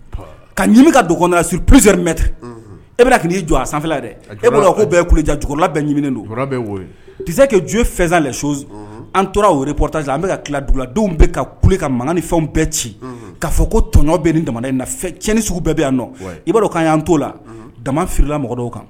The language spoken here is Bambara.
Ka kari mɛntɛ ei jɔ a sanfɛ dɛ e'le jla bɛ don p tise ka jo fɛnsan so an tora ppta an bɛka ka ki duladenw bɛ ka kule ka makan ni fɛn bɛɛ ci kaa fɔ ko tɔnɔn bɛ ni jamana in na tiɲɛnni sugu bɛɛ bɛ yan nɔ i ka yan to la dama filila mɔgɔ dɔw kan